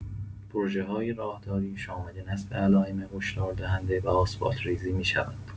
پروژه‌های راهداری شامل نصب علائم هشداردهنده و آسفالت‌ریزی می‌شود.